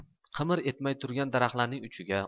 qimir etmay turgan daraxtlarning uchiga